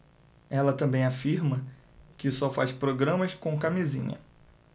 ela também afirma que só faz programas com camisinha